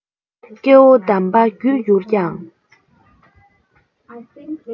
སྐྱེ བོ དམ པ རྒུད གྱུར ཀྱང